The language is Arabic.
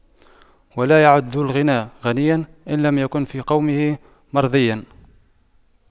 ولا يعد ذو الغنى غنيا إن لم يكن في قومه مرضيا